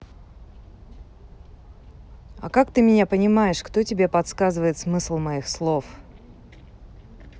а как ты меня понимаешь кто тебе подсказывает смысл моих слов